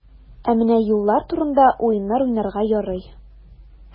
Ә менә юллар турында уеннар уйнарга ярый.